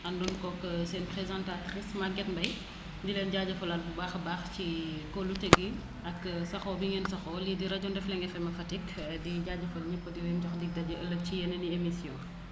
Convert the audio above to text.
àndoon koog seen présentatrice Maguette Mbaye di leen jaajëfalaat bu baax a baax ci kóolute gi ak saxoo bi ngeen saxoo lii di rajo Ndefleng FM Fatick di jaajëfal ñépp di leen jox dig daje ëllëg ci yeneen i émissions